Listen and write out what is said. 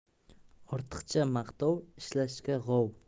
ortiqcha maqtov ishlashga g'ov